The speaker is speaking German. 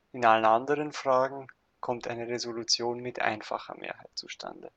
In allen anderen Fragen kommt eine Resolution mit einfacher Mehrheit zustande